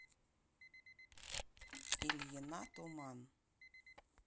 ильина туман